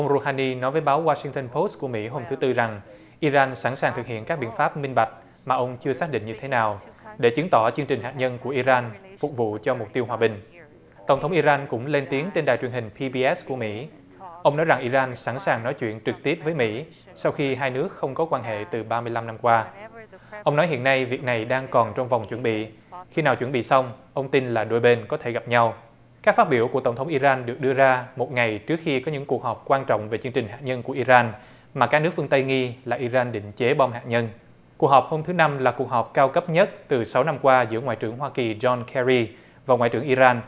ô rô ha ni nói với báo goa sinh tơn bốt của mỹ hôm thứ tư rằng i ran sẵn sàng thực hiện các biện pháp minh bạch mà ông chưa xác định như thế nào để chứng tỏ chương trình hạt nhân của i ran phục vụ cho mục tiêu hòa bình tổng thống i ran cũng lên tiếng trên đài truyền hình phi pi ét của mỹ ông nói rằng i ran sẵn sàng nói chuyện trực tiếp với mỹ sau khi hai nước không có quan hệ từ ba mươi lăm năm qua ông nói hiện nay việc này đang còn trong phòng chuẩn bị khi nào chuẩn bị xong ông tin là đôi bên có thể gặp nhau các phát biểu của tổng thống i ran được đưa ra một ngày trước khi có những cuộc họp quan trọng về chương trình hạt nhân của i ran mà các nước phương tây nghi là i ran định chế bom hạt nhân cuộc họp hôm thứ năm là cuộc họp cao cấp nhất từ sáu năm qua giữa ngoại trưởng hoa kỳ gion ke ri và ngoại trưởng i ran